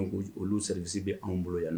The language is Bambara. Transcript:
Olu service bɛ tun bɛ n bolo yan nin nɔ!